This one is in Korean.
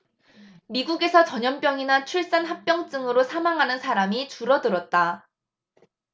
미국에서 전염병이나 출산 합병증으로 사망하는 사람이 줄어들었다